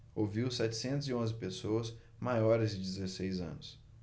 ouviu setecentos e onze pessoas maiores de dezesseis anos